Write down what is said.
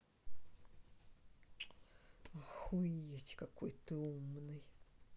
охуеть какой ты умный